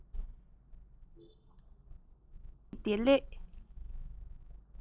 བཀྲ ཤེས བདེ ལེགས